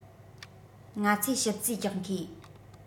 ང ཚོས ཞིབ རྩིས རྒྱག མཁས